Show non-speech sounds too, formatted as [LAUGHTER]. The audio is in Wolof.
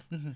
[HESITATION] [HESITATION]